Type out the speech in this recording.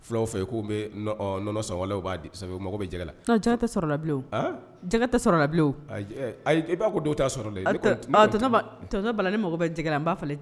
Fulaw fɛ yen ko bɛ nɔnɔ san b'a sabu mɔgɔ bɛjɛ la tɛ sɔrɔ bi ja tɛ i b'a ko don t' sɔrɔ la bala ni mɔgɔ bɛ jɛgɛgɛ b'a